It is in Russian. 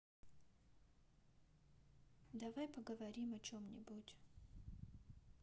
давай поговорим о чем нибудь